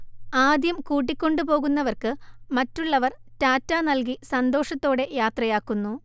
ആദ്യം കൂട്ടിക്കൊണ്ടുപോകുന്നവർക്കു മറ്റുള്ളവർ ടാറ്റാ നൽകി സന്തോഷത്തോടെ യാത്രയാക്കുന്നു